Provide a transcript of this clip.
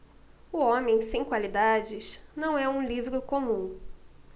o homem sem qualidades não é um livro comum